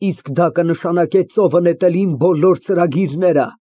Իսկ այդ կնշանակե՝ ծովը նետել իմ բոլոր ծրագրերը։